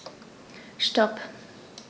Stop.